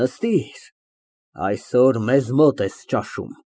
Նստիր, այսօր մեզ մոտ ես ճաշում։